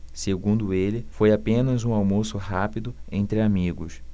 segundo ele foi apenas um almoço rápido entre amigos